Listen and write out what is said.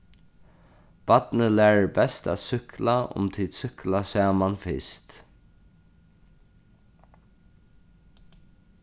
barnið lærir best at súkkla um tit súkkla saman fyrst